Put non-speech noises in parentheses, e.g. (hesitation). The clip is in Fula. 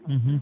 (hesitation) (hesitation)